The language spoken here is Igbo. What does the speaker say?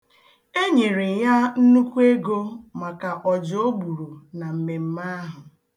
E nyere ya nnukwu ego maka ọja o gburu na mmemme ahụ.